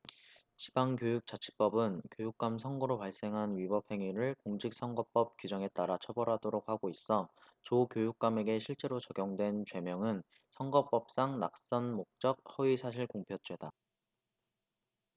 지방교육자치법은 교육감 선거로 발생한 위법행위를 공직선거법 규정에 따라 처벌하도록 하고 있어 조 교육감에게 실제로 적용된 죄명은 선거법상 낙선목적 허위사실공표죄다